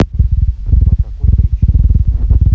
по какой причине